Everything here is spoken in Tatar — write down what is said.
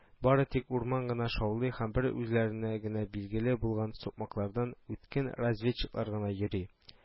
Бары тик урман гына шаулый һәм бер үзләренә генә билгеле булган сукмаклардан үткен разведчиклар гына йөри